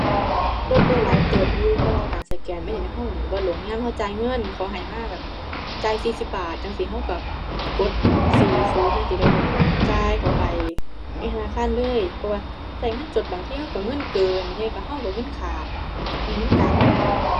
ลดได้หลายเติบอยู่ เพราะว่าการแสกนมันเฮ็ดเรานี่บ่หลง ยามเราจ่ายเงิน เขาให้มาเราจ่ายสี่สิบบาทจั่งซี้ เราเรากดสี่ศูนย์จั่งซี้แล้วแบบจ่ายเข้าไป ในธนาคาร เพราะว่าเราเงินสดบางทีเราเราเงินเกิน บางทีเราเราเงินขาด อือ มันกะบ่ได้